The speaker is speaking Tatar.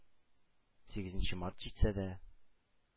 Сигезенче март җитсә дә,